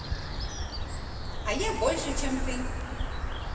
а я больше чем ты